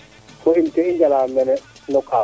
fo in kee i njala mene no kaaf